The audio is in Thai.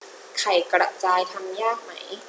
ไข่กระจายทำยากไหม